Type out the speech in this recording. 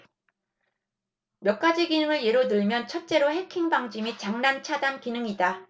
몇 가지 기능을 예로 들면 첫째로 해킹 방지 및 장난 차단 기능이다